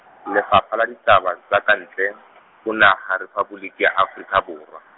Lefapha la Ditaba tsa Kantle , ho Naha Rephaboliki ya Afrika Borwa.